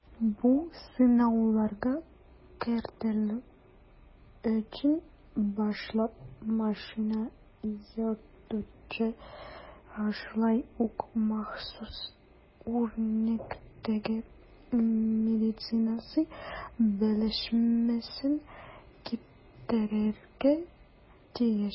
Бу сынауларга кертелү өчен башлап машина йөртүче шулай ук махсус үрнәктәге медицинасы белешмәсен китерергә тиеш.